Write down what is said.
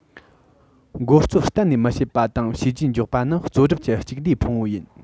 འགོ གཙོ གཏན ནས མི བྱེད པ དང བྱས རྗེས འཇོག པ ནི རྩོད སྒྲུབ ཀྱི གཅིག འདུའི ཕུང པོ ཡིན